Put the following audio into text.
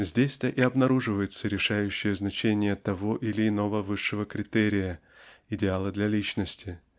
Здесь-то и обнаруживается решающее значение того или иного высшего критерия идеала для личности